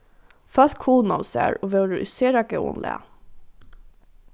fólk hugnaðu sær og vóru í sera góðum lag